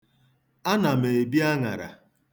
Ana m ebi aṅara.